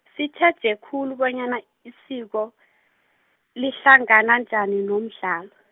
sitjheje khulu bonyana, isiko, lihlangana njani nomdlalo.